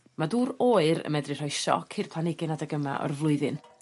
ma' dŵr oer y medru rhoi sioc i'r planhigyn adeg yma o'r flwyddyn